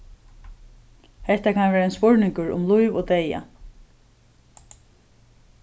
hetta kann vera ein spurningur um lív og deyða